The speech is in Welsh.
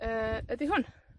Yy, ydi hwn.